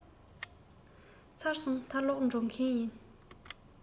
ཚར སོང ད ལོག འགྲོ མཁན ཡིན